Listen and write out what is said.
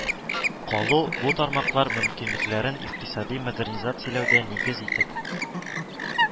Калу, бу тармаклар мөмкинлекләрен икътисади модернизацияләүдә нигез итеп